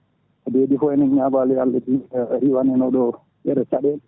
kadi ko heddi ko eɗen ñaago Allah yo Allah * e ɗi * ɗeɗo caɗele